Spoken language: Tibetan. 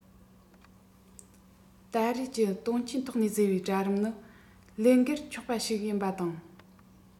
ད རེས ཀྱི དོན རྐྱེན ཐོག ནས བཟོ པའི གྲལ རིམ ནི བློས འགེལ ཆོག པ ཞིག ཡིན པ དང